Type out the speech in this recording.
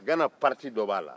gana fan dɔ b'a la